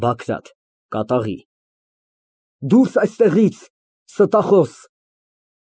ԲԱԳՐԱՏ ֊ (Կատաղի) Դուրս այստեղից, ստախոս։